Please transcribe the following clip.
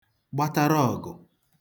gbatara ọ̀gụ̀